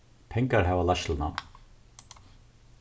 pengar hava leiðsluna